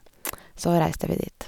Så reiste vi dit.